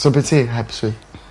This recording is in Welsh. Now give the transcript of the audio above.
So by' ti heb swydd...